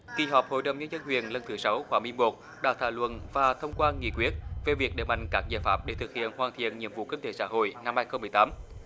kỳ họp hội đồng nhân dân huyện lần thứ sáu khóa mười một đã thảo luận và thông qua nghị quyết về việc đẩy mạnh các giải pháp để thực hiện hoàn thiện nhiệm vụ kinh tế xã hội năm hai không mười tám